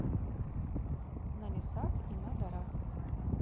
на лесах и на горах